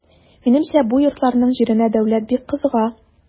Минемчә бу йортларның җиренә дәүләт бик кызыга.